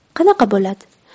qanaqa bo'ladi